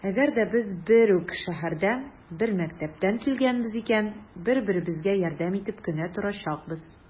Әгәр дә без бер үк шәһәрдән, бер мәктәптән килгәнбез икән, бер-беребезгә ярдәм итеп кенә торачакбыз.